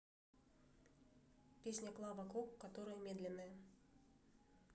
песня клава кока которая медленная